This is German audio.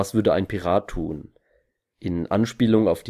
würde ein Pirat tun? “) in Anspielung auf